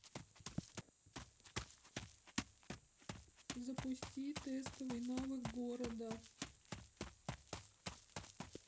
запусти тестовый навык города